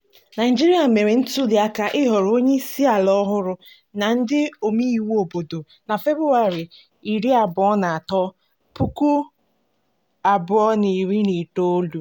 Naịjirịa mere ntuliaka ịhọrọ onyeisiala ọhụrụ na ndị omeiwu obodo na Febụwarị 23, 2019.